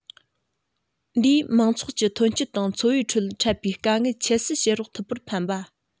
འདིས མང ཚོགས ཀྱི ཐོན སྐྱེད དང འཚོ བའི ཁྲོད འཕྲད པའི དཀའ ངལ ཁྱད བསད བྱེད རོགས ཐུབ པར ཕན པ